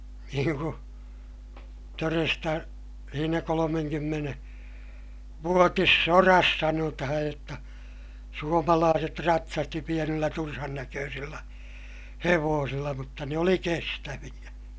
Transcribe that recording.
niin kuin todesta siinä - kolmekymmentävuotisessa sodassa sanotaan jotta suomalaiset ratsasti pienillä turhannäköisillä hevosilla mutta ne oli kestäviä